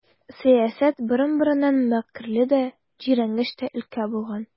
Сәясәт борын-борыннан мәкерле дә, җирәнгеч тә өлкә булган.